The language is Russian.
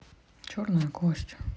черная кость